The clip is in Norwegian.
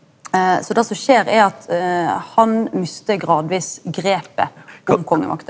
så det som skjer er at han mistar gradvis grepet over kongemakta.